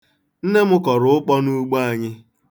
Nne m kọrọ ụkpọ n'ugbo anyị.